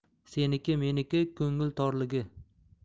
seniki meniki ko'ngil torligi